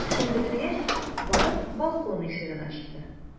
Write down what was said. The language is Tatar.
Эшен бетергәч, барып балкон ишеген ачты.